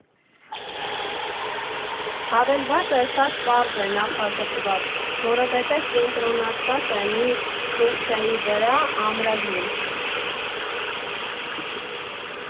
Հավելվածը շատ պարզ է նախագծված, որովհետև կենտրոնացված է մի ֆունկցիայի վրա՝ ամրագրում։